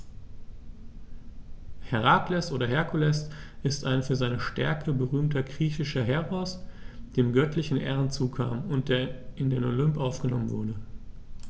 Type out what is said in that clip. Herakles oder Herkules ist ein für seine Stärke berühmter griechischer Heros, dem göttliche Ehren zukamen und der in den Olymp aufgenommen wurde.